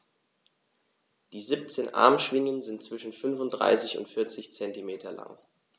Die 17 Armschwingen sind zwischen 35 und 40 cm lang.